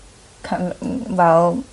kin- m- m- fel